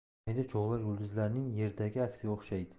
mayda cho'g'lar yulduzlarning yerdagi aksiga o'xshaydi